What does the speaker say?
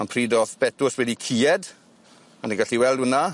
Ond pryd o'dd Betws wedi cued a ni gallu weld wnna.